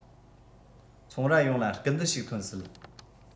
ཚོང རྭ ཡོངས ལ སྐུལ འདེད ཞིག ཐོན སྲིད